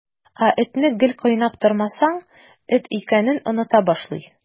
Ә этне гел кыйнап тормасаң, эт икәнен оныта башлый.